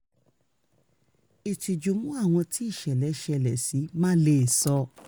Ìtìjú mú àwọn tí ìṣẹ̀lẹ̀ ṣẹlẹ̀ sí máà leè sọ